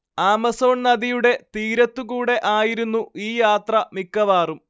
Amazon നദിയുടെ തീരത്തുകൂടെ ആയിരുന്നു ഈ യാത്ര മിക്കവാറും